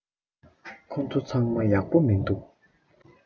ཁོ ཚོ ཚང མ ཡག པོ མི འདུག